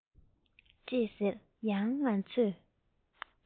ཅེས ཟེར ཡང ང ཚོས